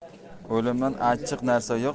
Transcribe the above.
o'limdan achchiq narsa yo'q